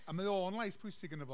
A mae o'n lais pwysig ynddo fo.